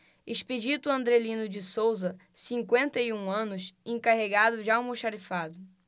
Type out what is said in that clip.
expedito andrelino de souza cinquenta e um anos encarregado de almoxarifado